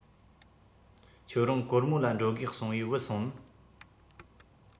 ཁྱོད རང གོར མོ ལ འགྲོ དགོས གསུངས པས བུད སོང ངམ